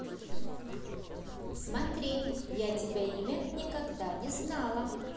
смотри я тебя имя никогда не знала